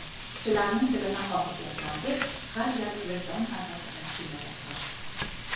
kishilarning dilini og'irtyapman deb har gal vijdon azobida qiynalaman